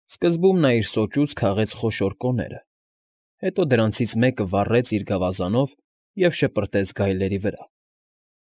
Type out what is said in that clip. Սկզբում նա իր սոճուց քաղեց խոշոր կոները, հետո դրանիցից մեկը վառեց իր գավազանով և շպրտեց գայլերի վրա։